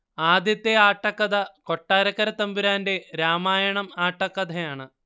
ആദ്യത്തെ ആട്ടക്കഥ കൊട്ടാരക്കര തമ്പുരാന്റെ രാമായണം ആട്ടക്കഥയാണ്